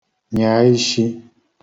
nyà ishī